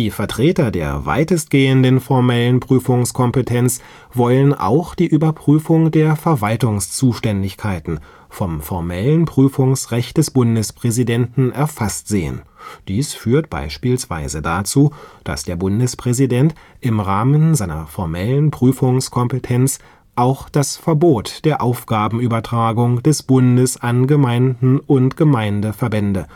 Vertreter der weitestgehenden formellen Prüfungskompetenz wollen auch die Überprüfung der Verwaltungszuständigkeiten vom formellen Prüfungsrecht des Bundespräsidenten erfasst sehen, dies führt bspw. dazu, dass der Bundespräsident im Rahmen seiner formellen Prüfungskompetenz auch das Verbot der Aufgabenübertragung des Bundes an Gemeinden und Gemeindeverbände